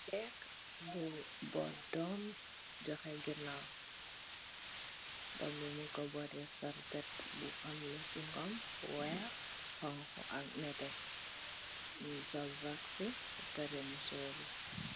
Jek bu bód doom joxéé ganaw doom bi mung ko bodtey sarbet bu am lu singom, wèèx, xonxu ak netteh. Mugii sol waksi bapareh musóru.